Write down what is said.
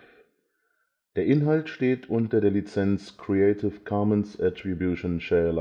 Inhalt steht unter der Lizenz Creative Commons Attribution Share